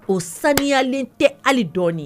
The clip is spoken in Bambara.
O sanuyalen tɛ hali dɔɔnini